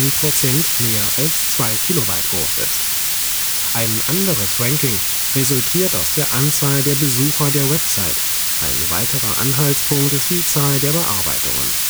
Prozent mehr als zwei Kilobyte groß ist – werden die einzelnen Wikipedias auch nach dem Umfang der Artikel aufgelistet. Ein anderes Ranking resultiert aus der Anzahl der Besuche der Website; ein weiterer Anhaltspunkt ist die Anzahl der Bearbeitungen